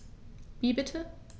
Wie bitte?